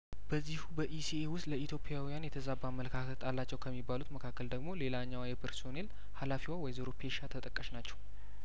በዚሁ በኢሲኤ ውስጥ ለኢትዮጵያውያን የተዛባ አመለካከት አላቸው ከሚባሉት መካከል ደግሞ ሌላኛዋ የፐርሶኔል ሀላፊዋ ወይዘሮ ፔሻ ተጠቃሽ ናቸው